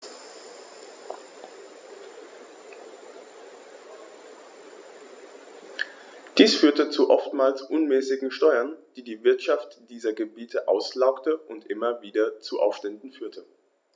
Dies führte zu oftmals unmäßigen Steuern, die die Wirtschaft dieser Gebiete auslaugte und immer wieder zu Aufständen führte.